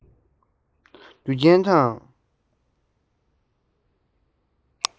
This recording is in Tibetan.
མཇུག འབྲས བཅས ལ